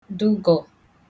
dụgọ̀